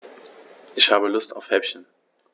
Ich habe Lust auf Häppchen.